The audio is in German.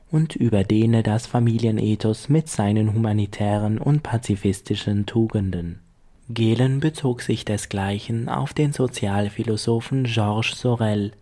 und überdehne das Familienethos mit seinen humanitären und pazifistischen Tugenden. Gehlen bezog sich desgleichen auf den Sozialphilosophen Georges Sorel